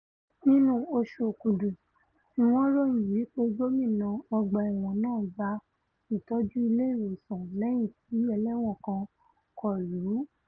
Nínú oṣù Òkúdu níwọ́n ròyìn wí pé gómìnà ọgba-ẹ̀wọ̀n náà gba ìtọ́jú ilé-ìwòsàn lẹ́yìn tí ẹlẹ́wọn kan kọ lù ú.